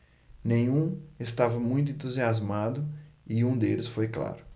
nenhum estava muito entusiasmado e um deles foi claro